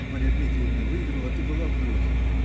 Марья Дмитриевна выиграла и была в духе.